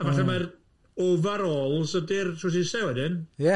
A falle mae'r over-ôls ydy'r trowsusau wedyn? Ie.